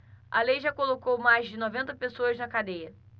a lei já colocou mais de noventa pessoas na cadeia